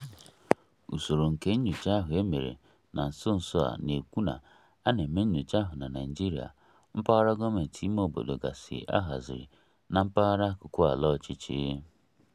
Usoro nke nnyocha ahụ e mere na nso nso a na-ekwu na a na-eme nnyocha ahụ na Naịjirịa "mpaghara gọọmentị ime obodo gasị ahaziri na mpaghara akụkụ ala ọchịchị".